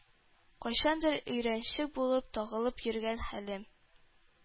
Кайчандыр өйрәнчек булып тагылып йөргән Хәлим